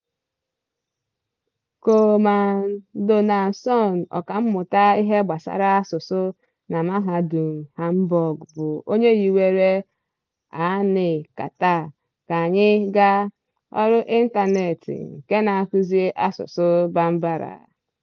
Coleman Donaldson, ọkàmmụta ihe gbasara asụsụ na Mahadum Hamburg bụ onye hiwere An ka taa ("ka anyị gaa") ọrụ ịntaneetị nke na-akụzi asụsụ Bambara.